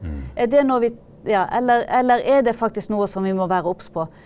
er det noe vi ja eller eller er det faktisk noe som vi må være obs på?